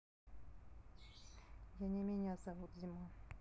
я не меня зовут эмма